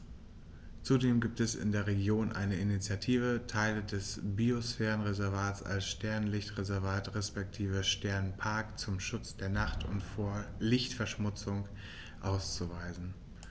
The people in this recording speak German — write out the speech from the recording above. Zudem gibt es in der Region eine Initiative, Teile des Biosphärenreservats als Sternenlicht-Reservat respektive Sternenpark zum Schutz der Nacht und vor Lichtverschmutzung auszuweisen.